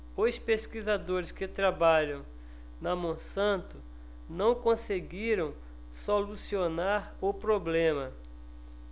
os pesquisadores que trabalham na monsanto não conseguiram solucionar o problema